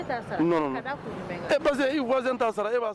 E ta sara ? Non non ka da kun jumɛn kan ? E parceque i voisin ta sara et ba sara